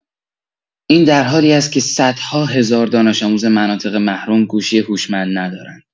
این درحالی است که صدها هزار دانش‌آموز مناطق محروم، گوشی هوشمند ندارند.